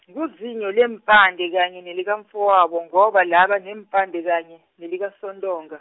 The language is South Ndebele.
nguzinyo, leempande kanye nelikamfowabo, ngoba laba neempande kanye, nelikaSontonga.